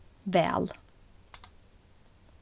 væl